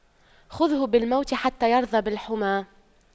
خُذْهُ بالموت حتى يرضى بالحُمَّى